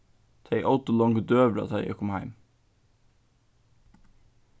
tey ótu longu døgurða tá ið eg kom heim